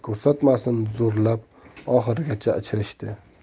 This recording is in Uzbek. ko'rsatmasin zo'rlab oxirigacha ichirishdi